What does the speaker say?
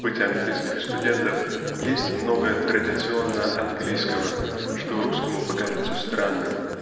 в быте английских студентов есть много традиционно-английского что русскому покажется странным